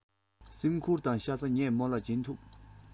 སེམས ཁུར དང ཤ ཚ ནི ངས མོ ལ སྦྱིན ཐུབ